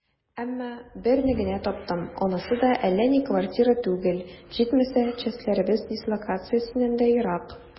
Әмма берне генә таптым, анысы да әллә ни квартира түгел, җитмәсә, частьләребез дислокациясеннән дә ерак.